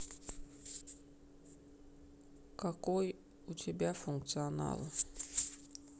какой у тебя функционал